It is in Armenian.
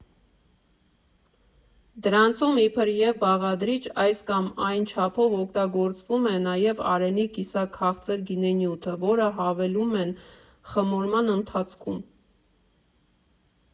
Դրանցում իբրև բաղադրիչ այս կամ այն չափով օգտագործվում է նաև Արենի կիսաքաղցր գինենյութը, որը հավելում են խմորման ընթացքում։